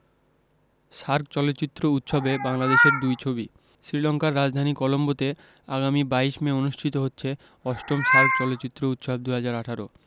SAARC চলচ্চিত্র উৎসবে বাংলাদেশের দুই ছবি শ্রীলংকার রাজধানী কলম্বোতে আগামী ২২ মে অনুষ্ঠিত হচ্ছে ৮ম সার্ক চলচ্চিত্র উৎসব ২০১৮